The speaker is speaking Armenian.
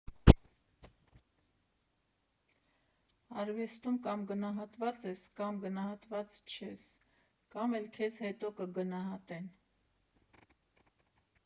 Արվեստում կամ գնահատված ես, կամ գնահատված չես, կամ էլ քեզ հետո կգնահատեն.